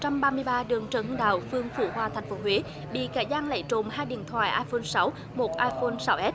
trăm ba mươi ba đường trần hưng đạo phường phú hòa thành phố huế bị kẻ gian lấy trộm hai điện thoại ai phôn sáu một ai phôn sáu ét